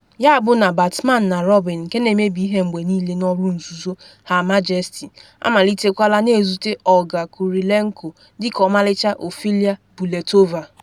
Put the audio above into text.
Yabụ na Batman na Robin nke na emebi ihe mgbe niile N’ọrụ Nzuzo Her Majesty amalitekwala, na-ezute Olga Kurylenko dịka ọmalicha Ophelia Bulletova.